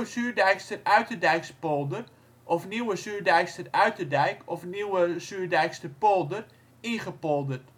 Zuurdijkster Uiterdijkspolder (of Nieuwe Zuurdijkster Uiterdijk of Nieuwe Zuurdijkster Polder) ingepolderd